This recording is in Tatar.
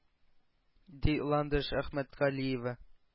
Ди ландыш әхмәтгалиева.